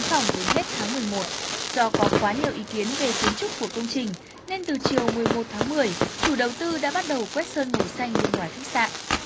phòng đến hết tháng mười một do có quá nhiều ý kiến về kiến trúc của công trình nên từ chiều mười một tháng mười chủ đầu tư đã bắt đầu quét sơn màu xanh bên ngoài khách sạn